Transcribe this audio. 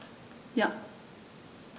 Ja.